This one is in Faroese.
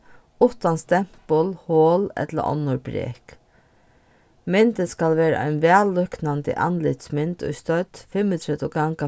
uttan stempul hol ella onnur brek myndin skal vera ein væl líknandi andlitsmynd í stødd fimmogtretivu ganga